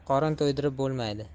qorin to'ydirib bo'lmaydi